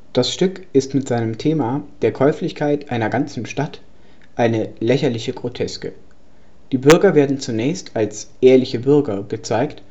Das Stück ist mit seinem Thema der Käuflichkeit einer ganzen Stadt eine „ lächerliche Groteske “. Die Bürger werden zunächst als „ ehrliche Bürger “gezeigt